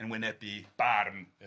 yn wynebu barn ia.